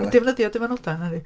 Di'm yn defnyddio dyfynodau nacdi.